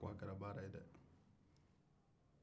a ko a kɛra baara ye dɛ